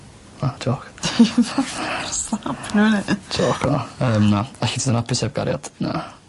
A jôc. Jôco yy na. Ella sa'n apus heb gariad. Na.